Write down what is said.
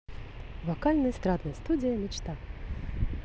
вокально эстрадная студия мечта